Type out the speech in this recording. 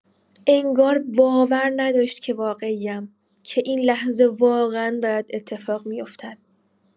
انگار باور نداشت که واقعی‌ام، که این لحظه واقعا دارد اتفاق می‌افتد.